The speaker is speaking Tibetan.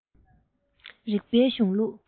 རིག པའི གཞུང ལུགས